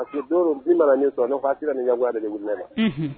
' sɔrɔra ni yango ma